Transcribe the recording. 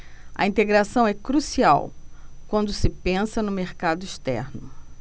a integração é crucial quando se pensa no mercado externo